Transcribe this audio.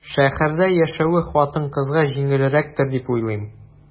Шәһәрдә яшәве хатын-кызга җиңелрәктер дип уйлыйм.